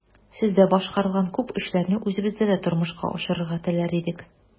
Сездә башкарылган күп эшләрне үзебездә дә тормышка ашырырга теләр идек.